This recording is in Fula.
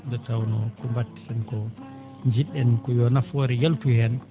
nde tawnoo ko mba?eten koo nji??en ko yo nafoore yaltu heen